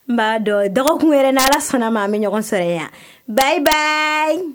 N b'a dɔn dɔgɔkun wɛrɛ n'Ala sɔnn'a ma, an bɛ ɲɔgɔn sɔrɔ yan bye bye